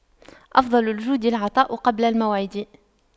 أفضل الجود العطاء قبل الموعد